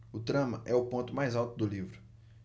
a trama é o ponto mais alto do livro